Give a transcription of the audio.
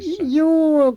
juu